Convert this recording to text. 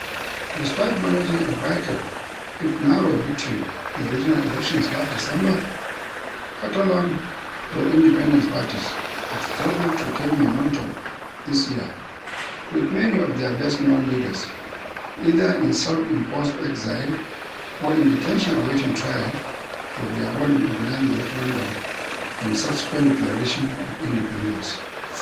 Despite managing a vital if narrow victory in regional elections last December, Catalan pro-independence parties have struggled to retain momentum this year with many of their best known leaders either in self imposed exile or in detention awaiting trial for their role in organizing the referendum and subsequent declaration of independence.